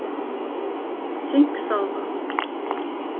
sinksalva